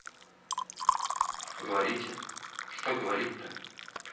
говорите что говорить то